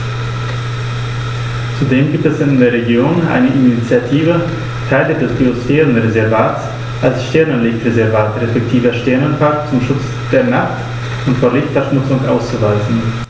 Zudem gibt es in der Region eine Initiative, Teile des Biosphärenreservats als Sternenlicht-Reservat respektive Sternenpark zum Schutz der Nacht und vor Lichtverschmutzung auszuweisen.